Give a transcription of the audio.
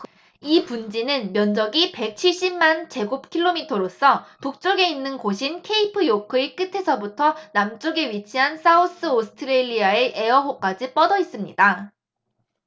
이 분지는 면적이 백 칠십 만 제곱 킬로미터로서 북쪽에 있는 곶인 케이프요크의 끝에서부터 남쪽에 위치한 사우스오스트레일리아의 에어 호까지 뻗어 있습니다